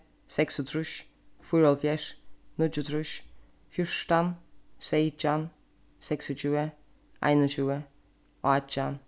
seksogtrýss fýraoghálvfjerðs níggjuogtrýss fjúrtan seytjan seksogtjúgu einogtjúgu átjan